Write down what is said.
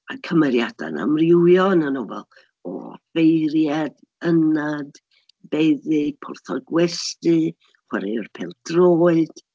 Ma' cymeriadau'n amrywio yn y nofel, o offeiriad, ynad, meddyg, porthor gwesty, chwaraewr pêl-droed.